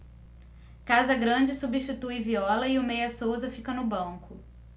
casagrande substitui viola e o meia souza fica no banco